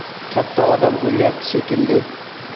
katta odam o'lyapti shekilli dedi